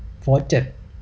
โฟธเจ็ด